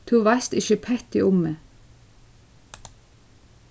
tú veitst ikki petti um meg